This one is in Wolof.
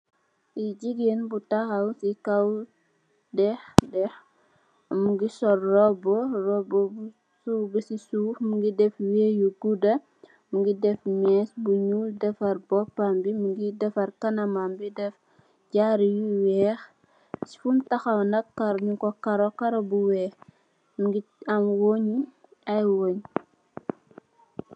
Fee jegain bu tahaw se kaw deeh deeh muge sol roubu roubu bu faye base suuf muge def wee yu gouda muge def mess bu nuul defarr bopambe muge defarr kanamam def jaaru yu weex fum tahaw nak karr nugku karou bu weex muge am weah aye weah.